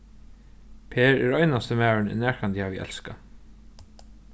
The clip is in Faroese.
per er einasti maðurin eg nakrantíð havi elskað